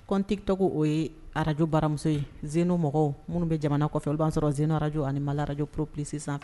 Compte tiktok o ye radio baramuso ye. zeno mɔgɔw minnu bɛ jamana kɔfɛ olu b'an sɔrɔ zenoradio ani Maliradio proplus sanfɛ